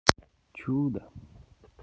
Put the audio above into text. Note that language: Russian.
чудо